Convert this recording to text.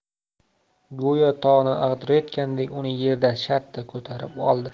go'yo tog'ni ag'darayotgandek uni yerdan shartta ko'tarib oldi